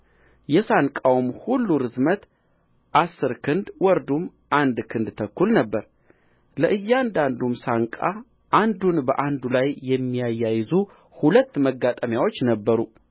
የሳንቃው ሁሉ ርዝመቱ አሥር ክንድ ወርዱም አንድ ክንድ ተኩል ነበረ ለእያንዳንዱም ሳንቃ አንዱን በአንዱ ላይ የሚያያይዙ ሁለት ማጋጠሚያዎች ነበሩ